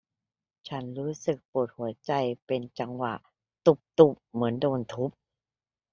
ฉันรู้สึกปวดหัวใจเป็นจังหวะตุ้บตุ้บเหมือนโดนทุบ